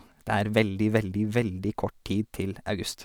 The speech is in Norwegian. Det er veldig, veldig, veldig kort tid til august.